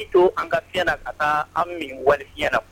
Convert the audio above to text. N to an ka fiɲɛɲɛna ka taa an min wariyɲɛna